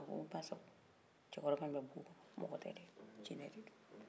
a ko n basago cɛkɔrɔba min bɛ bugu kɔnɔ mɔgɔ tɛ dɛ jinɛ de don